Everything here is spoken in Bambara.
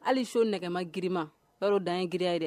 Hali so nɛgɛma giirima fɛ dan ye giya de